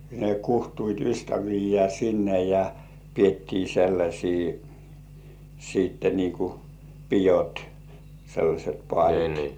ne kutsuivat ystäviä sinne ja pidettiin sellaisia sitten niin kuin pidot sellaiset paalit